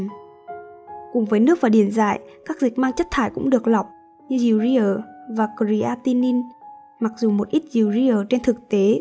cùng với nước và điện giải các dịch mang chất thải cũng được lọc như urea và creatinine mặc dù một ít urea trên thực tế